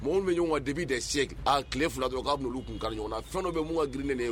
Maaw bɛ ɲɔgɔn ka debi de se tile fila dɔrɔn k ka ka ɲɔgɔnna fɛnw bɛ mun ka grinnen de ye